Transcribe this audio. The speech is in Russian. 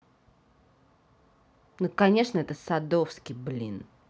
ну конечно это садовский блин